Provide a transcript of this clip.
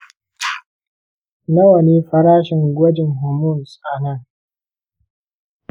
nawa ne farashin gwajin hormones a nan?